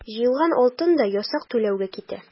Җыелган алтын да ясак түләүгә китә.